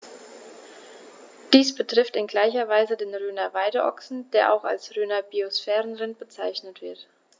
Dies betrifft in gleicher Weise den Rhöner Weideochsen, der auch als Rhöner Biosphärenrind bezeichnet wird.